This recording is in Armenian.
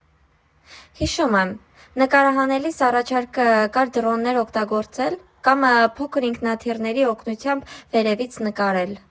Հիշում եմ, նկարահանելիս առաջարկ կար դրոններ օգտագործել, կամ փոքր ինքնաթիռների օգնությամբ վերևից նկարել։